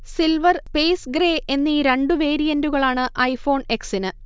silver, space grey എന്നീ രണ്ടു വേരിയന്റുകളാണ് ഐഫോൺ എക്സിന്